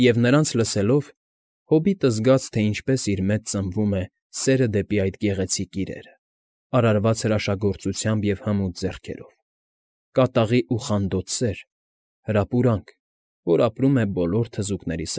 Եվ նրանց լսելով՝ հոբիտը զգաց, թե ինչպես իր մեջ ծնվում է սերը դեպի գեղեցիկ իրերը՝ արարված հրաշարգործությամբ և հմուտ ձեռքերով, կատաղի ու խանդոտ սեր, հրապուրանք, որ ապրում է բոլոր թզուկների։